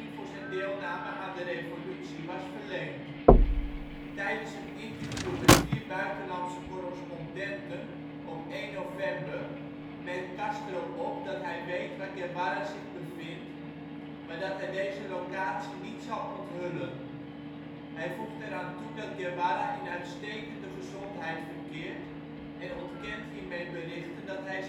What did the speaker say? deelname aan de revolutie was verleend. Tijdens een interview met vier buitenlandse correspondenten op 1 november merkt Castro op dat hij weet waar Guevara zich bevindt, maar dat hij deze locatie niet zal onthullen. Hij voegt eraan toe dat Guevara in uitstekende gezondheid verkeert en ontkent hiermee berichten dat hij